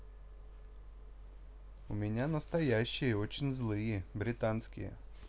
у меня настоящие очень злые британские